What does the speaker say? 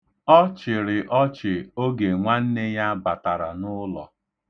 Ọ chịrị ọchị oge nwanne ya batara n'ụlọ.